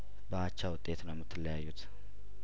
በአቻ ውጤት ነው የምት ለያዩት